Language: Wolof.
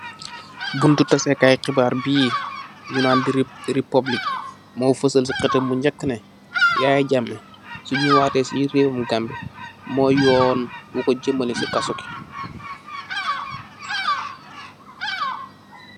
Buntu tasee kaay khibaar bii, nyunaan Republic, mo feuseul si kheudeum gu nyak neh, Yaya Jammeh su nyeuwaatee si raiwam Gambia, mooy yoon bukoo jeumeuleh si kaso gih.